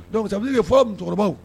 Dɔnku sabili kɛ fɔ cɛkɔrɔba